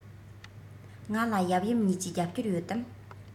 ང ལ ཡབ ཡུམ གཉིས ཀྱི རྒྱབ སྐྱོར ཡོད དམ